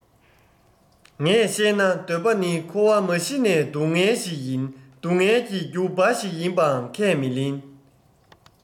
ངས བཤད ན འདོད པ ནི འཁོར བ མ གཞི ནས སྡུག བསྔལ ཞིག ཡིན སྡུག བསྔལ གྱི རྒྱུ འབའ ཞིག ཡིན པའང ཁས མི ལེན